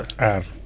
aar